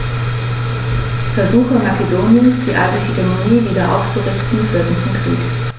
Versuche Makedoniens, die alte Hegemonie wieder aufzurichten, führten zum Krieg.